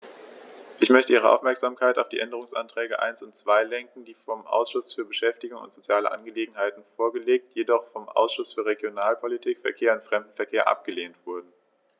Ich möchte Ihre Aufmerksamkeit auf die Änderungsanträge 1 und 2 lenken, die vom Ausschuss für Beschäftigung und soziale Angelegenheiten vorgelegt, jedoch vom Ausschuss für Regionalpolitik, Verkehr und Fremdenverkehr abgelehnt wurden.